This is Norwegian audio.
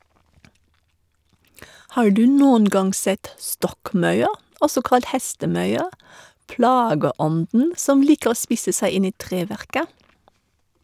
Har du noen gang sett stokkmaur, også kalt hestemaur, plageånden som liker å spise seg inn i treverket?